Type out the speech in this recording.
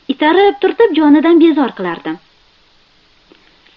itarib turtib jonidan bezor qilardim